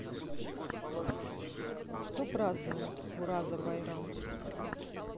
что празднуют ураза байрам